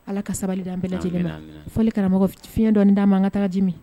Ala ka sabali di an bɛɛ lajɛlen la fɔli karamɔgɔ fiɲɛ dɔ'a ma an ka taajimi